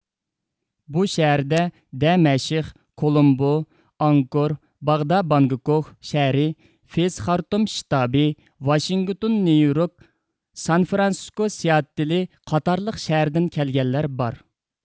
بۇ شەھەردە دەمەشق كولومبو ئاڭكور باغدا بانگكوك شەھىرى فېز خارتۇم شتابى ۋاشىنگتون نيۇ يورك سان فرانسىسكو سېئاتتلې قاتارلىقلار قاتارلىق شەھەردىن كەلگەنلەر بار